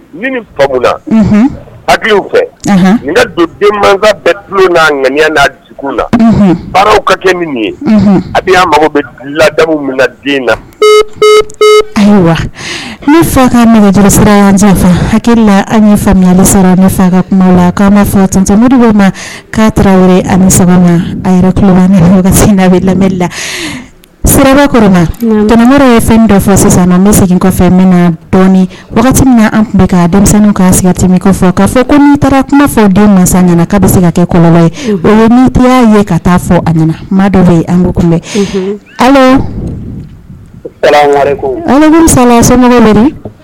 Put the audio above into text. Ni ao fɛ n don den masa bɛɛ dulon'a ŋya la baaraw ka kɛ min ye a'a mago bɛ lada min na den na ayiwa ne fa kaja ananfan hakɛ la an sara ka kuma la'fa ma k'a tarawele asa a yɛrɛ kuba a bɛ lamɛnri la siraba kɔrɔ traw ye fɛn dɔ sisan bɛ segin kɔfɛ min na dɔɔnin wagati min an tun ka denmisɛnnin'a siga tɛmɛ fɔ k'a fɔ ko n' taara kuma fɔ den mansa'a bɛ se ka kɛ kɔlɔn ye o ye ni tɛyaa ye ka taa fɔ a nana ma dɔ ye ansa so